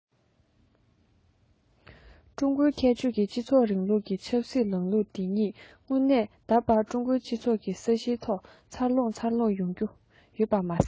ཀྲུང གོའི ཁྱད ཆོས ཀྱི སྤྱི ཚོགས རིང ལུགས ཀྱི ཆབ སྲིད ལམ ལུགས དེ ཉིད སྔོན ནས ད བར ཀྲུང གོའི སྤྱི ཚོགས ཀྱི ས གཞིའི ཐོག འཚར ལོངས འཚར ལོངས ཡོང རྒྱུ མ ཟད